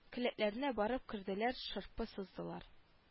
Келәтләренә барып керделәр шырпы сыздылар